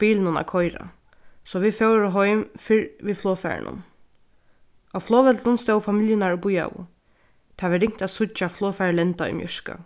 bilunum at koyra so vit fóru heim fyrr við flogfarinum á flogvøllinum stóðu familjurnar og bíðaðu tað var ringt at síggja flogfarið lenda í mjørka